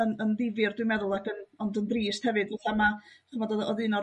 yn yn ddifyr dwi'n meddwl ag yn ond yn drist hefyd fatha' 'ma ch'mod o'dd un